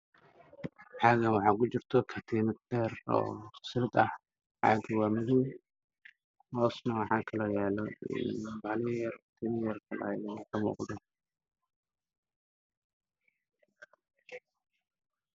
Caagaan waxaa ku jirta katiinad dahab ah oo sil silad ah caaga waa madow hoosna waxaa kaloo yaal bah lihii yar yar kaa ka muuqdo.